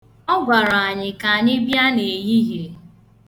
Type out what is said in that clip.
Ọ gwara anyị ka anyị bịa n'ehihie.